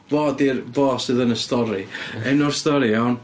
Fo 'di'r... fo sydd yn y stori. Enw'r stori iawn...